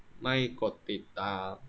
ไม่กดติดตาม